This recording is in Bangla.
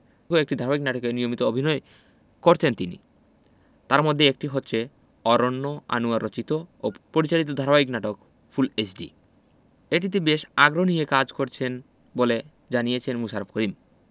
কয়েকটি ধারাবাহিক নাটকে নিয়মিতই অভিনয় করছেন তিনি তার মধ্যে একটি হচ্ছে অরন্য আনোয়ার রচিত ও পরিচালিত ধারাবাহিক নাটক ফুল এইচডি এটিতে বেশ আগ্রহ নিয়ে কাজ করছেন বলে জানিয়েছেন মোশাররফ করিম